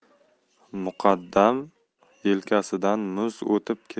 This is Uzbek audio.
muqaddam yelkasidan muz